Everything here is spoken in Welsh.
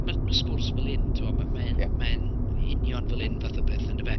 Ma' ma' sgwrs fel hyn tibod, ma' mae e'n... ia. ...mae e'n union fel hyn fath o beth yn dyfe.